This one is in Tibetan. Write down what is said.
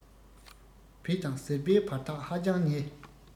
བད དང ཟིལ བའི བར ཐག ཧ ཅང ཉེ